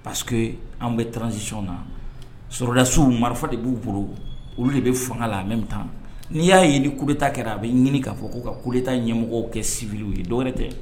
Pa que an bɛ transisiɔn na sdasiww marifa de b'u bolo olu de bɛ fanga la a bɛ bɛ taa n'i y'a ye ni kule ta kɛra a bɛ ɲini k'a fɔ ko' ka koleyita ɲɛmɔgɔ kɛ sivw ye dɔwɛrɛ tɛ